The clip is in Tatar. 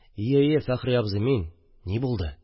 Ие, ие, Фәхри абзый, мин. Ни булды?